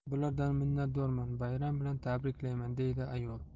bulardan minnatdorman bayram bilan tabriklayman deydi ayol